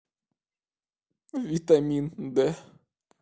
витамин д